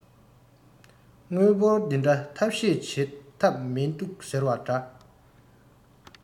དངུལ འབོར འདི འདྲ ཐབས ཤེས བྱེད ཐབས མིན འདུག ཟེར བ འདྲ